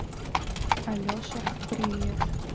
алеша в привет